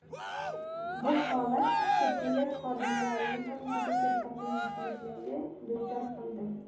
bu holat tibbiyot xodimlarini ham juda katta qiyinchiliklarga duchor qildi